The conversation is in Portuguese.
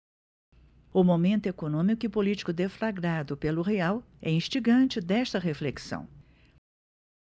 o momento econômico e político deflagrado pelo real é instigante desta reflexão